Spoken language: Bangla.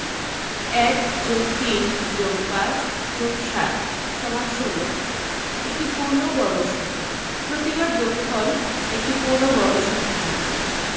১+৩+৫+৭=১৬ একটি পূর্ণবর্গ সংখ্যা প্রতিবার যোগফল একটি পূর্ণবর্গ সংখ্যা পাচ্ছি